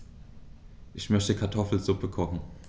Ich möchte Kartoffelsuppe kochen.